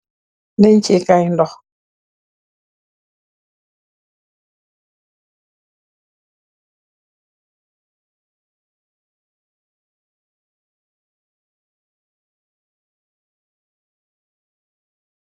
Denceekaay dox